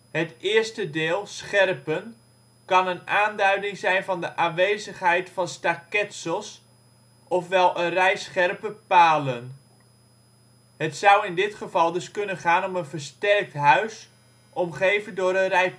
Het eerste deel “scherpen” kan een aanduiding zijn van de aanwezigheid van staketsels ofwel een rij scherpe palen. Het zou in dit geval dus kunnen gaan om een versterkt huis omgeven door een rij palen